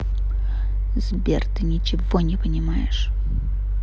сбер ты ничего не понимаешь